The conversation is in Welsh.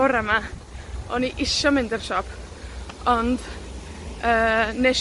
Bore 'ma o'n i isio mynd i'r siop, ond, yy, nesh